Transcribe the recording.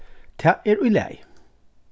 tað er í lagi